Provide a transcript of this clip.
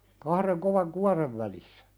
kahden kovan kuoren välissä